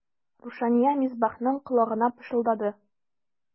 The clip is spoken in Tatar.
Рушания Мисбахның колагына пышылдады.